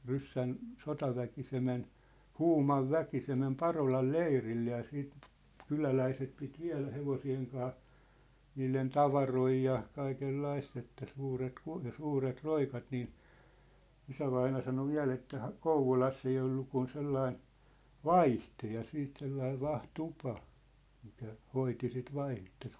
ryssän sotaväki se meni Huuman väki se meni Parolan leirille ja sitten kyläläiset piti viedä hevosten kanssa niiden tavaroita ja kaikenlaista että suuret - ja suuret roikat niin isävainaja sanoi vielä että - Kouvolassa ei ollut kuin sellainen vaihde ja siitä sellainen vahtitupa mikä hoiti sitten vaihdetta